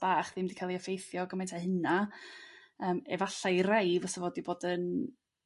bach ddim 'di ca'l 'u effeithio gymaint â hynna yrm efalla' i rai fysa fo 'di bod yn